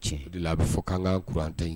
Tiɲɛ, o de la a bɛ fɔ k'an k'an kuru an ta in